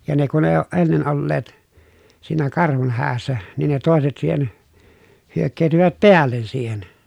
ja ne kun ei ole ennen olleet siinä karhun hädässä niin ne toiset siihen hyökkäytyivät päälle siihen